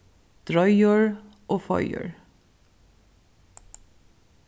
droyur og foyur